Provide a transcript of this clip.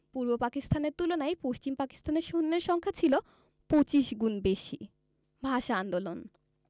পূর্ব পাকিস্তানের তুলনায় পশ্চিম পাকিস্তানের সৈন্যের সংখ্যা ছিল ২৫ গুণ বেশি ভাষা আন্দোলন